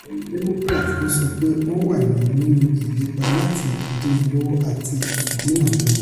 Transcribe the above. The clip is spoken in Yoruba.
Àwọn Democrats, ni ó sọ pé, wọn wà nínú ìlépa láti ''dínilọ́wọ àti dínamọ́ni.''